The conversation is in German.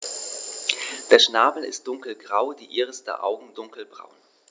Der Schnabel ist dunkelgrau, die Iris der Augen dunkelbraun.